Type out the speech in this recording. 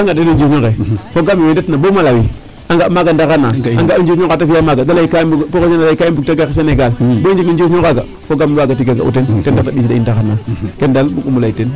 Ba nga' o njirñ onqe foogaam e wee ndetna bo Malawi a nga' maaga ndax a nga o njirñ onqa ta fi'aa maaga da laye ka i mbug ta gar Sénégal bo i njeg na o njirñ onqaaga foogaam waaga tiga nga'u teen ten tax da ɓisiida in ndaxar nene keene daal bugum o lay teen.